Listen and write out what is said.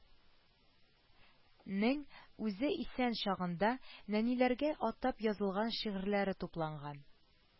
Нең үзе исән чагында нәниләргә атап язылган шигырьләре тупланган